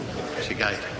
Isie gair.